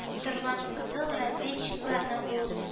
Торган кызыл разведчикларны ул